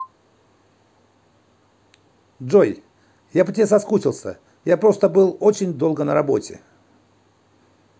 джой я по тебе соскучился я просто был очень долго на работе